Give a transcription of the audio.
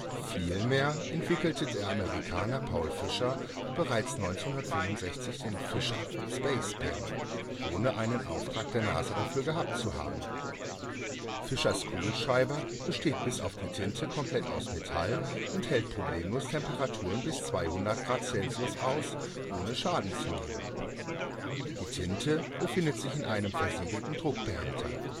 Vielmehr entwickelte der Amerikaner Paul Fisher bereits 1965 den Fisher Space Pen, ohne einen Auftrag der NASA dafür gehabt zu haben. Fishers Kugelschreiber besteht bis auf die Tinte komplett aus Metall und hält problemlos Temperaturen bis 200° Celsius aus, ohne Schaden zu nehmen. Die Tinte befindet sich in einem versiegelten Druckbehälter